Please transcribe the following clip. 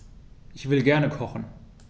Ich will gerne kochen.